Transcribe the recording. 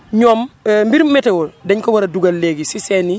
ñoom mbirum météo dañ ko war a dugal léegi si seen i